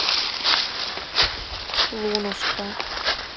лунушка